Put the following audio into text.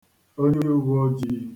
onyeuweoji